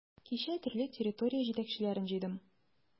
Кичә төрле территория җитәкчеләрен җыйдым.